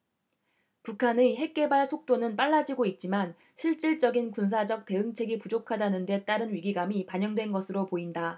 북한의 핵개발 속도는 빨라지고 있지만 실질적인 군사적 대응책이 부족하다는 데 따른 위기감이 반영된 것으로 보인다